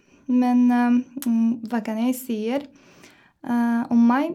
Men hva kan jeg sier om meg?